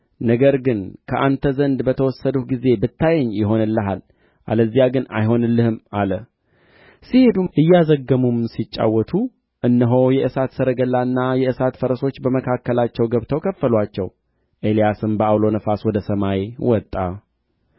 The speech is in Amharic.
ከተሻገሩም በኋላ ኤልያስ ኤልሳዕን ከአንተ ሳልወሰድ አደርግልህ ዘንድ የምትሻውን ለምን አለው ኤልሳዕም መንፈስህ በእኔ ላይ ሁለት እጥፍ ይሆን ዘንድ እለምንሃለሁ አለ እርሱም አስቸጋሪ ነገር ለምነሃል